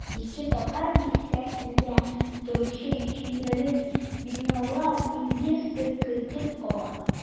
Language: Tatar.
Иске татар бистәсендә торучы җимерек биналар инвестор көтеп кала.